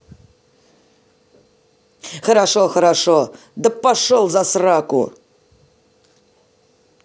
хорошо хорошо да пошел засраку